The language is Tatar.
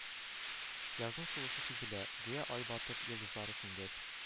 Язның сулышы сизелә, гүя ай батып, йолдызлар сүнгәч